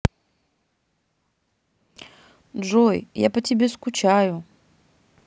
джой я по тебе скучаю